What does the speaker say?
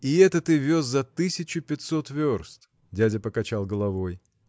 И это ты вез за тысячу пятьсот верст? Дядя покачал головой.